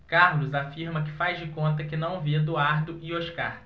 carlos afirma que faz de conta que não vê eduardo e oscar